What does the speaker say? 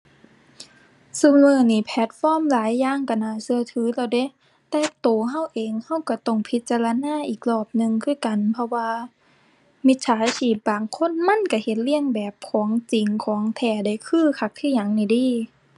ซุมื้อนี้แพลตฟอร์มหลายอย่างก็น่าก็ถือแล้วเดะ แต่ก็ก็เองก็ก็ต้องพิจารณาอีกรอบหนึ่งคือกัน เพราะว่ามิจฉาชีพบางคนมันก็เฮ็ดเลียนแบบของจริงของแท้ได้คือคักคือหยังนี่เด้